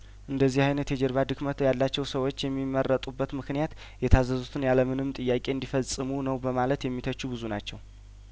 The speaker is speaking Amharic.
እንደ ዚህ አይነት የጀርባ ድክመት ያለባቸው ሰዎች የሚመረጡበት ምክንያት የታዘዙትን ያለምንም ጥያቄ እንዲ ፈጽሙ ነው በማለት የሚተቹ ብዙ ናቸው